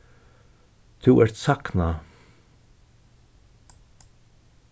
tú ert saknað